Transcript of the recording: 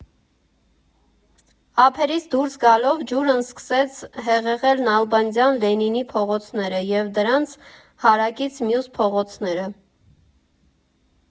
Ափերից դուրս գալով՝ ջուրն սկսեց հեղեղել Նալբանդյան, Լենինի փողոցները և դրանց հարակից մյուս փողոցները։